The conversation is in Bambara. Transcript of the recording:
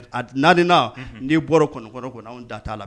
A naaniren n'i bɔra kɔnɔnkɔrɔ kɔnɔ an da t'a la